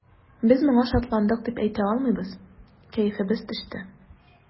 Без моңа шатландык дип әйтә алмыйбыз, кәефебез төште.